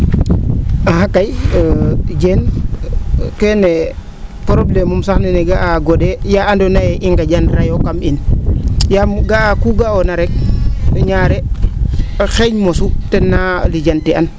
axa kay Diene keene probeleme um sax neen o ga'aa go?ee yaa andoona yee i nga?anrayo kam in yaam ga'a ku ga'oona rek ñaare xeeñ mosu tenaa lijante'an